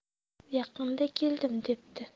yaqinda keldim debdi